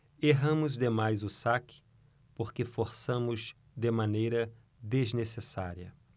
erramos demais o saque porque forçamos de maneira desnecessária